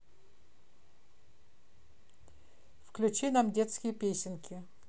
включи нам детские песенки